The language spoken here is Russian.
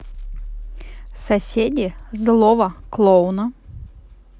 соседи злого клоуна